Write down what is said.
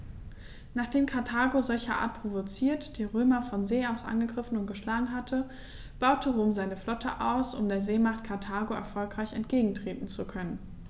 Nachdem Karthago, solcherart provoziert, die Römer von See aus angegriffen und geschlagen hatte, baute Rom seine Flotte aus, um der Seemacht Karthago erfolgreich entgegentreten zu können.